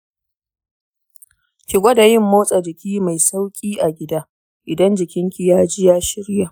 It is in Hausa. ki gwada yin motsa jiki mai sauƙi a gida idan jikinki ya ji ya shirya.